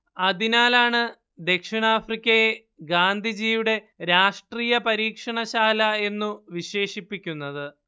അതിനാലാണ് ദക്ഷിണാഫ്രിക്കയെ ഗാന്ധിജിയുടെ രാഷ്ട്രീയ പരീക്ഷണശാല എന്നു വിശേഷിപ്പിക്കുന്നത്